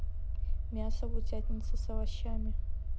мясо в утятнице с овощами